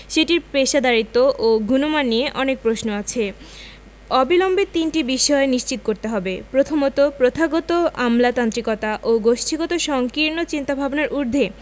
সেটির পেশাদারিত্ব ও গুণমান নিয়ে প্রশ্ন আছে অবিলম্বে তিনটি বিষয় নিশ্চিত করতে হবে প্রথমত প্রথাগত আমলাতান্ত্রিকতা ও গোষ্ঠীগত সংকীর্ণ চিন্তাভাবনার ঊর্ধ্বে